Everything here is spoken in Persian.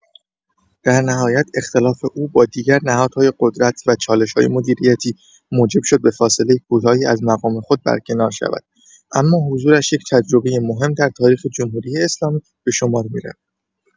در نهایت اختلاف او با دیگر نهادهای قدرت و چالش‌های مدیریتی موجب شد به فاصله کوتاهی از مقام خود برکنار شود، اما حضورش یک تجربه مهم در تاریخ جمهوری‌اسلامی به شمار می‌رود.